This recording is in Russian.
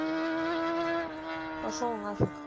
пошел нафиг